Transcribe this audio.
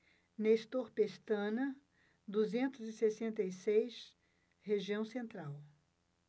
nestor pestana duzentos e sessenta e seis região central